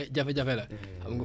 maraichage dafa soxla ndox